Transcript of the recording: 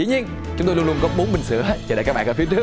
dĩ nhiên chúng tôi luôn luôn có bốn bình sữa hích chờ đợi các bạn ở phía trước